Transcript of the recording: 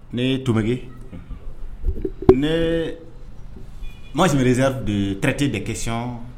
Ne ne moi je me réserve de traiter des questions